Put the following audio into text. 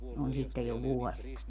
on sitten jo vuosia